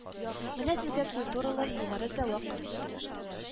Менә сезгә культуралы, югары зәвык